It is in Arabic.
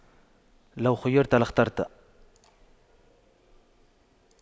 لو خُيِّرْتُ لاخترت